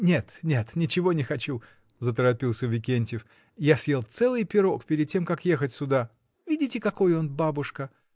— Нет, нет, ничего не хочу, — заторопился Викентьев, — я съел целый пирог перед тем, как ехать сюда. — Видите, какой он, бабушка!